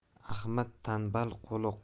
ahmad tanbal qo'li